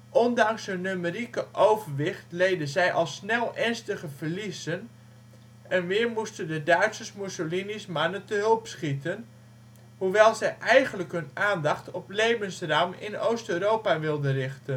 Ondanks hun numerieke overwicht leden zij al snel ernstige verliezen en weer moesten de Duitsers Mussolini’ s mannen te hulp schieten, hoewel zij eigenlijk hun aandacht op ' Lebensraum ' in Oost-Europa wilden richten